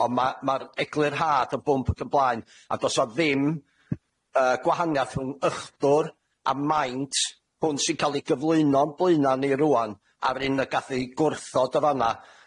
On' ma' ma'r eglurhad yn blwmp ac yn ymlaen, a do's 'a ddim yy gwahaniath rhwng ychdwr a maint hwn sy'n ca'l 'i gyflwyno o'n blaena' ni rŵan, a'r un y gath 'i gwrthod yn fan'na